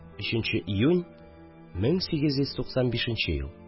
3 нче июнь, 1895 ел